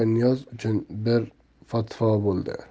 niyoz uchun bir fatvo bo'ldi